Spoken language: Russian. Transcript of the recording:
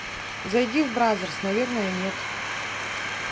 зайди в brothers наверно нет